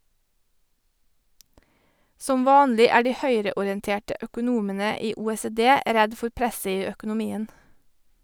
Som vanlig er de høyreorienterte økonomene i OECD redd for «presset» i økonomien.